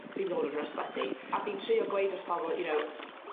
fi nôl yn yr ysbyty. A fi'n trio gweud wrth pobol you know